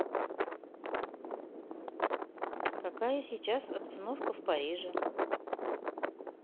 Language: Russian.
какая сейчас обстановка в париже